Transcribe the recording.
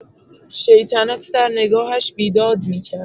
شیطنت در نگاهش بیداد می‌کرد.